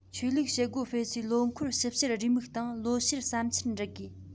ཆོས ལུགས བྱེད སྒོ སྤེལ སའི ལོ འཁོར ཞིབ བཤེར རེའུ མིག སྟེང ལོ བཤེར བསམ འཆར འབྲི དགོས